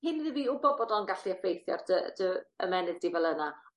cyn iddo di wbod bod o'ngallu effeithio ar dy dy ymennydd di fel yna.